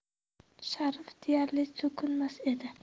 sharif deyarli so'kinmas edi